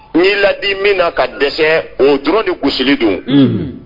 Ɲ'i ladi min na ka dɛsɛɛ o dɔrɔn de gosili don unhun